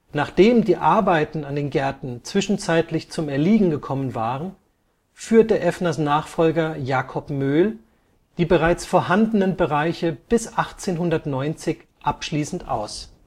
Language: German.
Nachdem die Arbeiten an den Gärten zwischenzeitlich zum Erliegen gekommen waren, führte Effners Nachfolger Jakob Möhl die bereits vorhandenen Bereiche bis 1890 abschließend aus